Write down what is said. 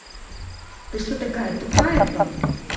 ты что такая тупая то